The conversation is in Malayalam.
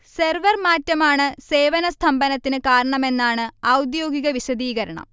സെർവർ മാറ്റമാണ് സേവന സ്തംഭനത്തിന് കാരണമെന്നാണ് ഔദ്യോഗിക വിശദീകരണം